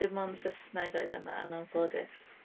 Dim ond Saesneg oedd yna yn anffodus.